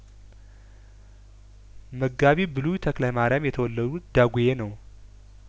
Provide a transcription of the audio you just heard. መጋቢ ብሉይ ተክለማሪያም የተወለዱት ዳጔ ነው